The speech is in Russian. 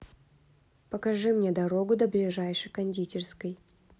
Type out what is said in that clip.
покажи мне дорогу до ближайшей кондитерской